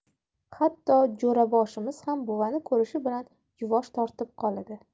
hatto jo'raboshimiz ham buvani ko'rishi bilan yuvosh tortib qoladi